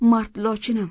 mard lochinim